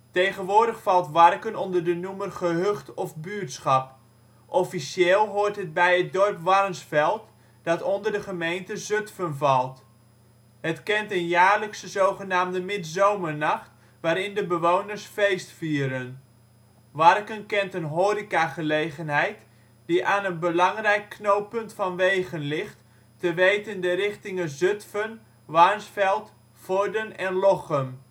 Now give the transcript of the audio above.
Tegenwoordig valt Warken onder de noemer ' gehucht ' of ' buurtschap '. Officieel hoort het bij het dorp Warnsveld, dat onder de gemeente Zutphen valt. Het kent een jaarlijkse zogenaamde midzomernacht waarin de bewoners feest vieren. Warken kent een horecagelegenheid die aan een belangrijk knooppunt van wegen ligt, te weten de richtingen Zutphen, Warnsveld, Vorden en Lochem